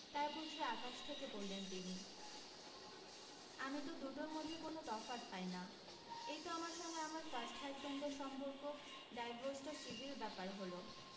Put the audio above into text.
তাই বুঝি আকাশ থেকে পড়লেন তিনি আমি তো দুটোর মধ্যে কোনো তফাত পাই না এই তো আমার সঙ্গে আমার ফার্স্ট হাজবেণ্ডের সম্পর্ক ডাইভোর্সটা সিভিল ব্যাপার হলো